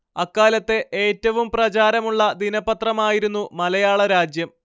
അക്കാലത്തെ ഏറ്റവും പ്രചാരമുള്ള ദിനപത്രമായിരുന്നു മലയാളരാജ്യം